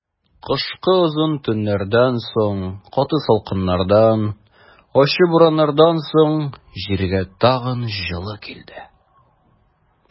Кышкы озын төннәрдән соң, каты салкыннардан, ачы бураннардан соң җиргә тагын җылы килде.